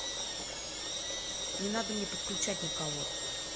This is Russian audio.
не надо мне подключать никого